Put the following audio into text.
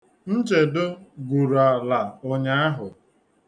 Nchedo gwuru ala ụnyaahụ.